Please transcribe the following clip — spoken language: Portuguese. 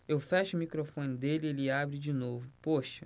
eu fecho o microfone dele ele abre de novo poxa